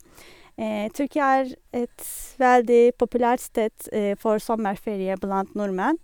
Tyrkia er et veldig populært sted for sommerferie blant nordmenn.